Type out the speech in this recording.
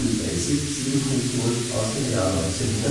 Basic 7.0 (1989